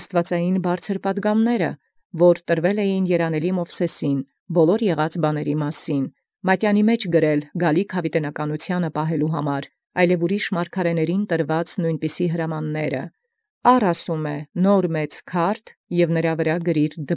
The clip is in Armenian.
Մովսէս եկեալ, վասն ամենայն իրացն եղելոց, յաստուածեղէն պատգամացն բարձրութիւն աւանդելոցն՝ մատենագրել առ ի պահեստ յաւիտեանցն որ գալոցն էին. նոյնպիսիք և այլոց մարգարէիցն հրամայեալք։ «Առ, ասէ, քարտէզ նոր մեծ, և գրեա՛ ի նմա գրչաւ։